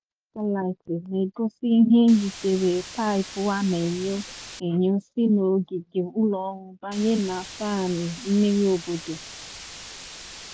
Ihe onyonyo satịlaịat na-egosi ihe yitere paịpụ a na-enyo enyo si n'ogige ụlọ ọrụ banye na Feeane, mmiri obodo.